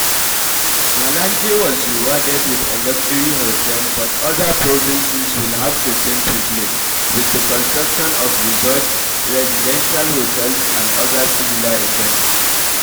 Malanje was “rewarded” with a luxury hotel, but other provinces will have the same privilege, with the construction of resorts, residential hotels and other similar investments.